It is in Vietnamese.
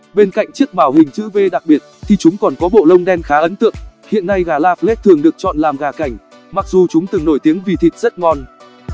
bên cạnh chiếc mào hình chữ v đặc biệt thì chúng còn có bộ lông đen khá ấn tượng hiện nay gà la flech thường được chọn làm gà cảnh mặc dù chúng từng nổi tiếng vì thịt rất ngon